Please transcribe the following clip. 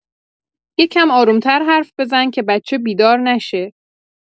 یه کم آروم‌تر حرف بزن که بچه بیدار نشه